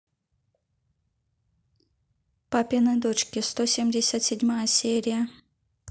папины дочки сто семьдесят седьмая серия